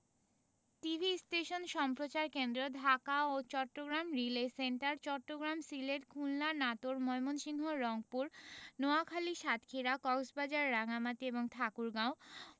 TV station সম্প্রচার কেন্দ্রঃ ঢাকা ও চট্টগ্রাম রিলে সেন্টার চট্টগ্রাম সিলেট খুলনা নাটোর ময়মনসিংহ রংপুর নোয়াখালী সাতক্ষীরা কক্সবাজার রাঙ্গামাটি এবং ঠাকুরগাঁও